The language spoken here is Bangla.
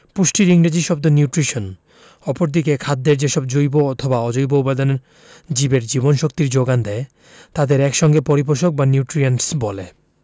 পুষ্টির ইংরেজি শব্দ নিউট্রিশন অপরদিকে খাদ্যের যেসব জৈব অথবা অজৈব উপাদান জীবের জীবনীশক্তির যোগান দেয় তাদের এক সঙ্গে পরিপোষক বা নিউট্রিয়েন্টস বলে